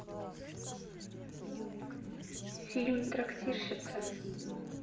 фильм трактирщица